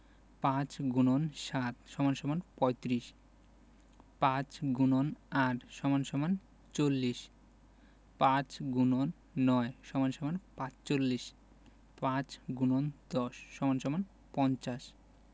৫× ৭ = ৩৫ ৫× ৮ = ৪০ ৫x ৯ = ৪৫ ৫×১০ = ৫০